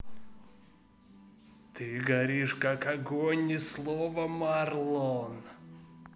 ты горишь как огонь ни слова марлон